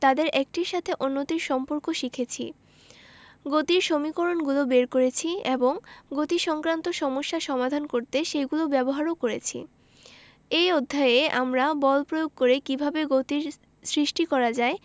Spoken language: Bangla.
তাদের একটির সাথে অন্যটির সম্পর্ক শিখেছি গতির সমীকরণগুলো বের করেছি এবং গতিসংক্রান্ত সমস্যা সমাধান করতে সেগুলো ব্যবহারও করেছি এই অধ্যায়ে আমরা বল প্রয়োগ করে কীভাবে গতির সৃষ্টি করা যায়